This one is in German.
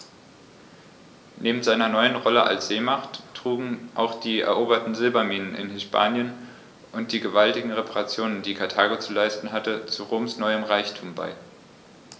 Neben seiner neuen Rolle als Seemacht trugen auch die eroberten Silberminen in Hispanien und die gewaltigen Reparationen, die Karthago zu leisten hatte, zu Roms neuem Reichtum bei.